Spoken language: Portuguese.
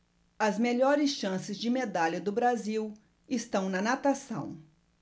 as melhores chances de medalha do brasil estão na natação